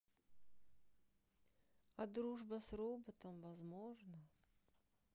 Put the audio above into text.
а дружба с роботом возможна